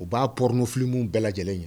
U b'a porno film bɛɛ lajɛlen